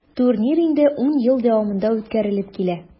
Турнир инде 10 ел дәвамында үткәрелеп килә.